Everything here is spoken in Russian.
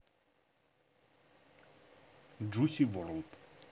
джусси ворлд